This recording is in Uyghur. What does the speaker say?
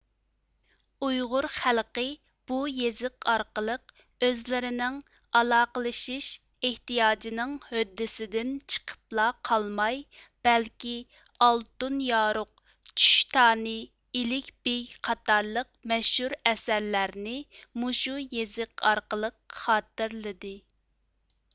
ئۇيغۇر خەلقى بۇ يېزىق ئارقىلىق ئۆزلىرىنىڭ ئالاقىلىشىش ئېھتىياجىنىڭ ھۆددىسىدىن چىقىپلا قالماي بەلكى ئالتۇن يارۇق چۈشتانى ئىلىك بىگ قاتارلىق مەشھۇر ئەسەرلەرنى مۇشۇ يېزىق ئارقىلىق خاتىرىلىدى